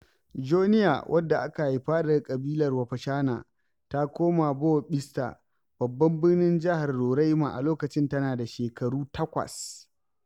Joenia wadda aka haifa daga ƙabilar Wapchana, ta koma Boa ɓista, babban birnin jihar Roraima, a lokacin tana da shekaru takwas.